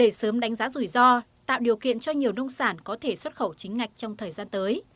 để sớm đánh giá rủi ro tạo điều kiện cho nhiều nông sản có thể xuất khẩu chính ngạch trong thời gian tới